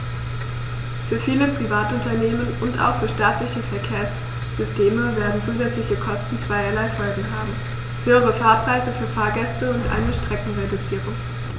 Für viele Privatunternehmen und auch für staatliche Verkehrssysteme werden zusätzliche Kosten zweierlei Folgen haben: höhere Fahrpreise für Fahrgäste und eine Streckenreduzierung.